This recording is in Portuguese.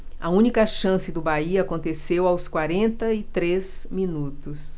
a única chance do bahia aconteceu aos quarenta e três minutos